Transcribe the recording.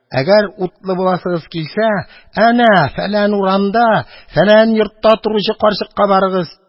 Әгәр утлы буласыгыз килсә, әнә фәлән урамда, фәлән йортта торучы карчыкка барыгыз.